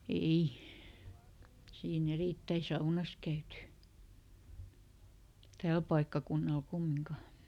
ei siinä erittäin saunassa käyty täällä paikkakunnalla kumminkaan